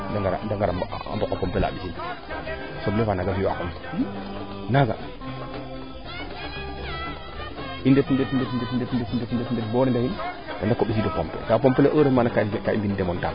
de ngara ŋota pompe la a mbisin soble faa naaga fi'u a xon naaga i ndet ndet ndet bo neene i ndako mbisiido pompe nda pompe le heureusement ga i mbi'in demontable